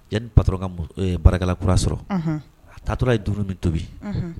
Ba bara kura sɔrɔ a tatura ye duuru min tobi